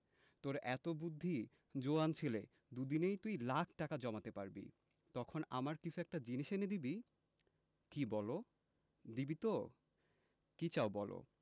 তোর এত বুদ্ধি জোয়ান ছেলে দুদিনেই তুই লাখ টাকা জমাতে পারবি তখন আমার কিছু একটা জিনিস এনে দিবি কি বলো দিবি তো কি চাও বলো